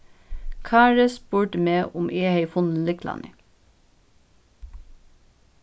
kári spurdi meg um eg hevði funnið lyklarnir